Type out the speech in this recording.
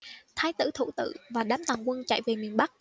thái tử thủ tự và đám tàn quân chạy về miền bắc